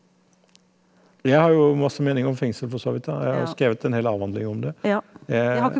jeg har jo masse meninger om fengsel for så vidt da og jeg har jo skrevet en hel avhandling om det .